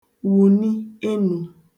-wùnị enū